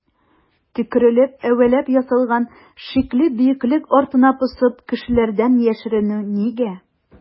Төкерекләп-әвәләп ясалган шикле бөеклек артына посып кешеләрдән яшеренү нигә?